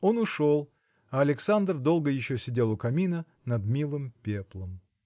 Он ушел, а Александр долго еще сидел у камина, над милым пеплом.